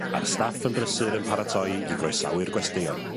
A'r staff yn brysur yn paratoi i groesawu'r gwesteion.